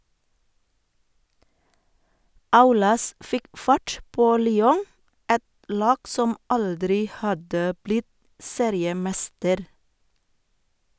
Aulas fikk fart på Lyon, et lag som aldri hadde blitt seriemester.